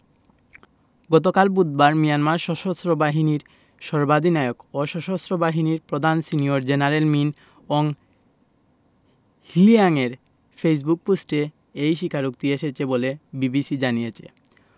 গতকাল বুধবার মিয়ানমার সশস্ত্র বাহিনীর সর্বাধিনায়ক ও সশস্ত্র বাহিনীর প্রধান সিনিয়র জেনারেল মিন অং হ্লিয়াংয়ের ফেসবুক পোস্টে এই স্বীকারোক্তি এসেছে বলে বিবিসি জানিয়েছে